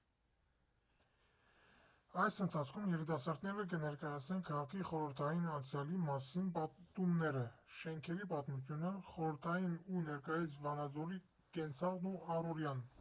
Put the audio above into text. Այս ընթացքում երիտասարդները կներկայացնեն քաղաքի խորհրդային անցյալի մասին պատումները, շենքերի պատմությունը, խորհրդային ու ներկայիս Վանաձորի կենցաղն ու առօրյան։